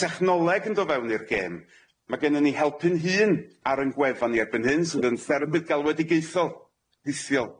Technoleg yn do' fewn i'r gêm ma' gennyn ni Helpu'n Hun ar 'yn gwefan ni erbyn hyn sydd yn therypydd galwedigaethol rhithiol.